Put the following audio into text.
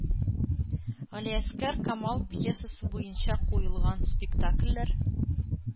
Галиәсгар Камал пьесасы буенча куелган спектакльләр